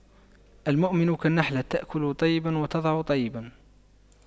المؤمن كالنحلة تأكل طيبا وتضع طيبا